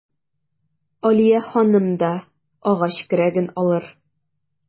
Алия ханым да агач көрәген алыр.